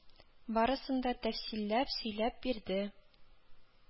Барысын да тәфсилләп сөйләп бирде